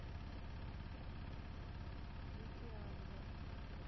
дикий ангел